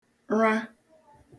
rȧ